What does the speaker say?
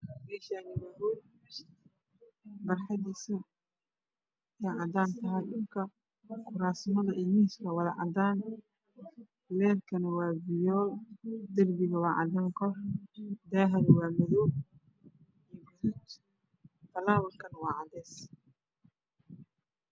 Meeshaan waa hool barxadiisu waa cadaan kuraasmada iyo miisaska waa wada cadaan leyrku waa fiyool. Darbiguna waa cadaan daahana waa madow iyo gaduud. Falaawarka waa cadeys.